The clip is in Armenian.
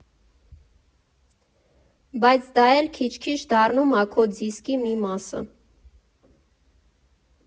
Բայց դա էլ քիչ֊քիչ դառնում ա քո դիսկի մի մասը։